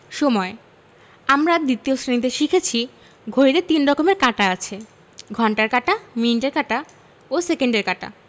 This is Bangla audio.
সময়ঃ আমরা ২য় শ্রেণিতে শিখেছি ঘড়িতে ৩ রকমের কাঁটা আছে ঘণ্টার কাঁটা মিনিটের কাঁটা ও সেকেন্ডের কাঁটা